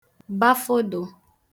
bafụdụ̄